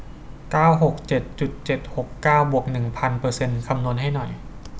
เก้าหกเจ็ดจุดเจ็ดหกเก้าบวกหนึ่งพันเปอร์เซ็นต์คำนวณให้หน่อย